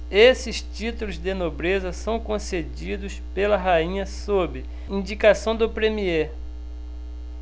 esses títulos de nobreza são concedidos pela rainha sob indicação do premiê